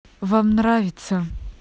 вам нравится